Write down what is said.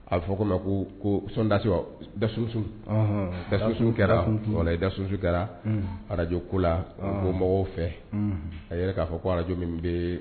A bɛ fɔ' o ma ko ko sondas dass kɛra dassu kɛra arajo ko la mɔmɔgɔw fɛ a yɛrɛ k'a fɔ ko araj min bɛ